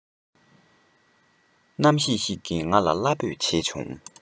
རྣམ ཤེས ཤིག གིས ང ལ བླ འབོད བྱེད བྱུང